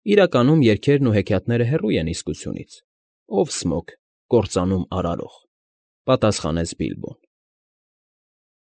Իրականում երգերն ու հեքիաթները հեռու են իսկությունից, ով Սմոգը, Կործանում արարող,֊ պատասխանեց Բիլբոն։ ֊